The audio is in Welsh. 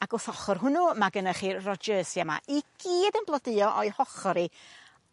Ag wrth ochor hwnnw ma' gennych chi Rodgersia 'ma i gyd yn blodeuo o'u hochr 'i